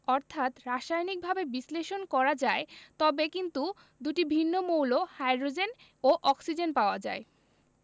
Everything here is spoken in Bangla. অর্থাৎ রাসায়নিকভাবে বিশ্লেষণ করা যায় তবে কিন্তু দুটি ভিন্ন মৌল হাইড্রোজেন ও অক্সিজেন পাওয়া যায়